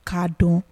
K'a dɔn